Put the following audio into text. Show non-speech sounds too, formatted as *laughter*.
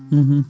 *hesitation* *hesitation*